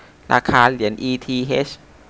ราคาเหรียญอีทีเฮช